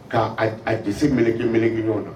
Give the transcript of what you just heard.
K'a a kisi miniki miniki ɲɔgɔn na